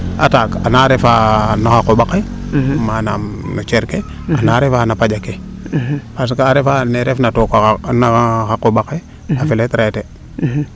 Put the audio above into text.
attaque ana ref na xa qoɓa xe manaam no cer ke a naa refaa na paƴa ke parce que a refa ne refna took naxa qoɓaxe a fele traiter